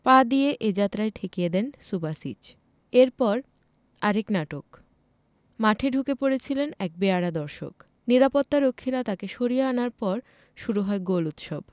পা দিয়ে এ যাত্রায় ঠেকিয়ে দেন সুবাসিচ এরপর আরেক নাটক মাঠে ঢুকে পড়েছিলেন এক বেয়াড়া দর্শক নিরাপত্তারক্ষীরা তাকে সরিয়ে আনার পর শুরু হয় গোল উৎসব